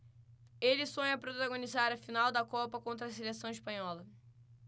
ele sonha protagonizar a final da copa contra a seleção espanhola